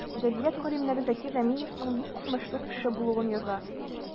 Әдәбият галимнәре Закир Рәмиевнең бик укымышлы кеше булуын яза.